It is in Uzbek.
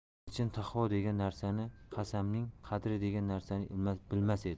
elchin taqvo degan narsani qasamning qadri degan narsani bilmas edi